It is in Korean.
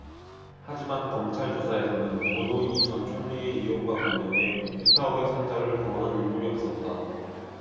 하지만 검찰 조사에서는 누구도 이 전 총리의 의혹과 관련해 비타 오백 상자를 거론한 인물이 없었다